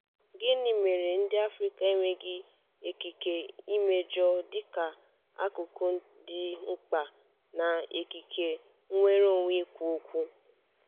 Gịnị mere ndị Afrịka enweghị ikike imejọ dịka akụkụ dị mkpa n'ikike nnwereonwe ikwu okwu?